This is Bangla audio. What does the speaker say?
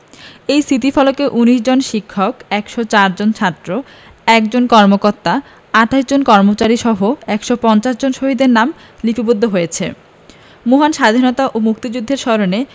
এই সিতিফলকে ১৯ জন শিক্ষক ১০৪ জন ছাত্র ১ জন কর্মকর্তা ২৮ জন কর্মচারীসহ ১৫০ জন শহীদের নাম লিপিবদ্ধ হয়েছে মহান স্বাধীনতা ও মুক্তিযুদ্ধের স্মরণে